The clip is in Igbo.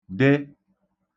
de